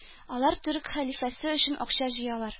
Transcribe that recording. Алар төрек хәлифәсе өчен акча җыялар